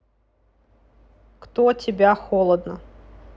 кто тебя холодно